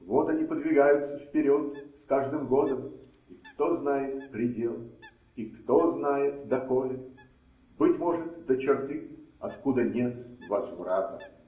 Вот они подвигаются вперед, с каждым годом, и кто знает предел? и кто знает доколе? Быть может, до черты. откуда нет возврата.